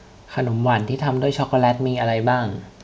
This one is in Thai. ขนมหวานที่ทำด้วยช็อกโกแลตมีอะไรบ้าง